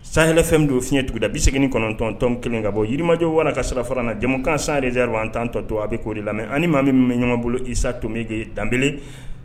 Sahel FM don fiyɛn tuguda 89 tɔmi 1 ka bɔ yirimajɔ wara ka sira fara na jɛmukan reserve entente tout a bɛ k'o de lamɛ ani maa min bɛ ɲɔgɔn bolo Isa Tome de Denbele.